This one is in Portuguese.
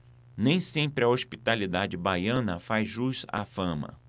nem sempre a hospitalidade baiana faz jus à fama